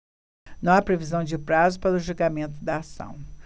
não há previsão de prazo para o julgamento da ação